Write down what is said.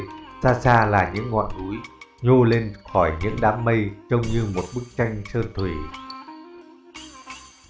xa xa là những ngọn núi nhô lên khỏi những đám mây trông như một bức tranh sơn thủy